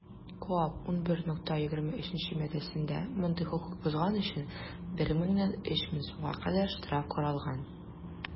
КоАП 11.23 маддәсендә мондый хокук бозган өчен 1 меңнән 3 мең сумга кадәр штраф каралган.